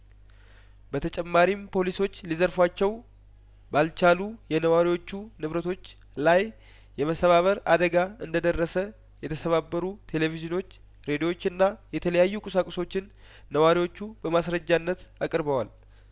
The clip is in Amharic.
በተጨማሪም ፖሊሶች ሊዘር ፏቸው ባልቻሉ የነዋሪዎቹንብረቶች ላይ የመሰባበር አደጋ እንደደረሰ የተሰባበሩ ቴሌቪዥኖች ሬዲዮ ችና የተለያዩ ቁሳቁሶችን ነዋሪዎቹ በማስረጃነት አቅርበዋል